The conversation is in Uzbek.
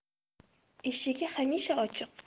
eshigi hamisha ochiq